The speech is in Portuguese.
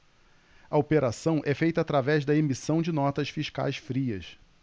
a operação é feita através da emissão de notas fiscais frias